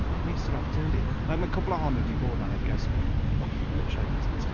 Why waste your opportunity? Mae cwpl ohonyn nhw 'di bod 'na, I guess, misoedd I was gonna say.